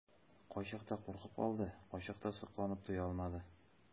Кайчакта куркып калды, кайчакта сокланып туя алмады.